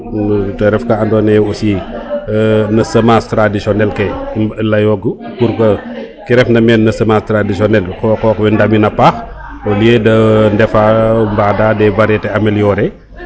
te ref ka ando naye aussi no semence traditionnel ke i leyogu pour que ke ref na men no semence traditionnel qoqox we ndamina paax au lieu de ndefa dans des varieter ameliorer